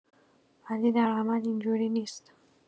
ولی در عمل اینجوری نیست